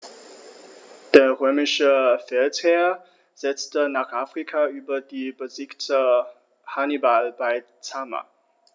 Der römische Feldherr setzte nach Afrika über und besiegte Hannibal bei Zama.